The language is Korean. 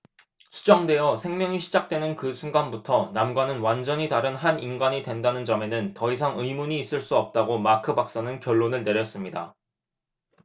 수정되어 생명이 시작되는 그 순간부터 남과는 완전히 다른 한 인간이 된다는 점에는 더 이상 의문이 있을 수 없다고 마크 박사는 결론을 내렸습니다